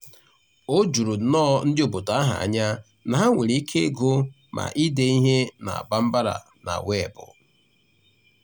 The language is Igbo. O juru nnọọ ndị obodo ahụ anya na ha nwere ike ịgụ ma ide ihe na Bambara na Weebụ!